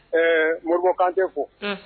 Ɛɛ moriɔribɔkan tɛ fo